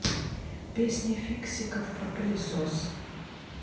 песня фиксиков про пылесос